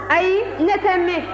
ayi ne tɛ mɛn